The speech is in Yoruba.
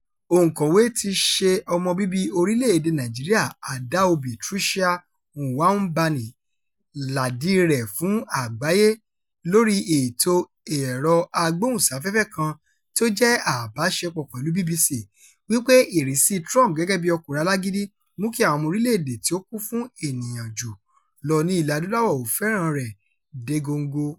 Òǹkọ̀wé tí í ṣe ọmọ bíbí orílẹ̀-èdèe Nàìjíríà Adaobi Tricia Nwaubani làdíi rẹ̀ fún àgbáyé lórí ètò ẹ̀rọ agbóhùnsáfẹ́fẹ́ kan tí ó jẹ́ àbáṣepọ̀ pẹ̀lú BBC, wípé ìrísíi Trump gẹ́gẹ́ bí "ọkùnrin alágídí" mú kí àwọn ọmọ orílẹ̀-èdè tí ó kún fún ènìyàn jù lọ ní Ilẹ̀-Adúláwọ̀ ó fẹ́ràn-an rẹ̀ dé góńgó: